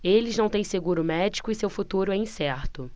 eles não têm seguro médico e seu futuro é incerto